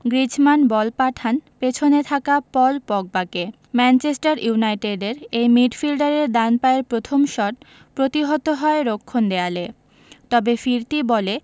Griezmann ball পাঠান পেছনে থাকা পল পগবাকে ম্যানচেস্টার ইউনাইটেডের এই মিডফিল্ডারের ডান পায়ের প্রথম শট প্রতিহত হয় রক্ষণ দেয়ালে তবে ফিরতি বলে